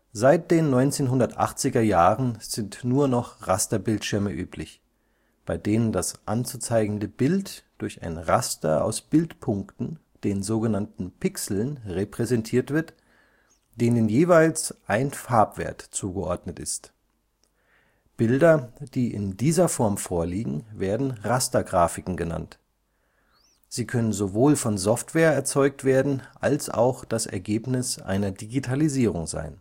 Seit den 1980er Jahren sind nur noch Rasterbildschirme üblich, bei denen das anzuzeigende Bild durch ein Raster aus Bildpunkten (Pixeln) repräsentiert wird, denen jeweils ein Farbwert zugeordnet ist. Bilder, die in dieser Form vorliegen, werden Rastergrafiken genannt. Sie können sowohl von Software erzeugt werden, als auch das Ergebnis einer Digitalisierung sein